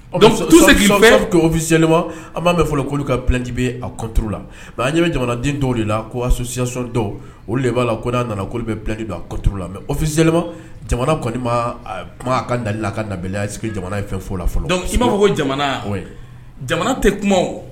Tofi an b'a fɔlɔ kajibi atouru la an ɲɛ bɛ jamanaden tɔw de la kosi tɔw olu de b'a la ko n'a nana bɛjitouru la mɛ ofizɛlɛ jamana kuma a ka da ka nayase jamana in fɛ fo la dɔnku i b'a fɔ ko jamana jamana tɛ kuma